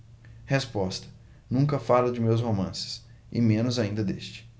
resposta nunca falo de meus romances e menos ainda deste